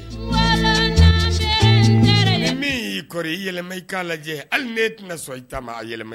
Min kɔrɔ i yɛlɛma i k'a lajɛ hali ne tɛna sɔrɔ i taama a yɛlɛ